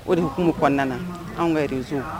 O dekumu kɔnɔna na anw ka siw